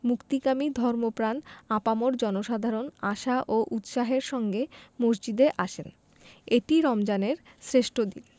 মুক্তিকামী ধর্মপ্রাণ আপামর জনসাধারণ আশা ও উৎসাহের সঙ্গে মসজিদে আসেন এটি রমজানের শ্রেষ্ঠ দিন